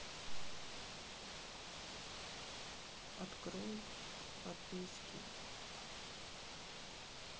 открой подписки